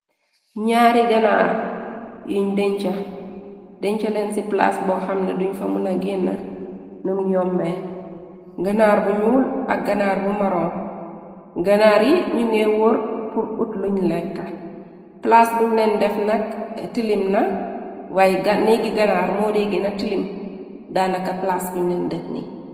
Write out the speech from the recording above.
Ñaari ganaar yiñ deñca, deñca len ci plaase bo xamna duñ fa muna ginna num yombee, ganaar bu ñuul ak ganaar bu maron, ganaar yi ñu ngey wóor pur ut luñ lekka, plaas buñ leen def nak tilim na, waay neegi ganaar moodee gina tilim daana ka plaas buñ leen def ni.